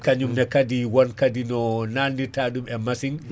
kañum ne kaadi won kaadi no nannirta ɗum e machine